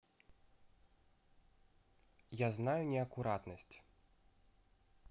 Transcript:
я знаю неаккуратность